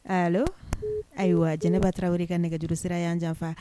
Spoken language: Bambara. Ayiwa ayiwa jɛnɛba taraweleri ka nɛgɛjuru sira yan janfa